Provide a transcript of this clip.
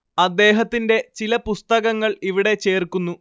അദ്ദേഹത്തിന്റെ ചില പുസ്തകങ്ങൾ ഇവിടെ ചേർക്കുന്നു